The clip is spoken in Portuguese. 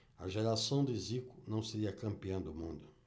a geração de zico não seria campeã do mundo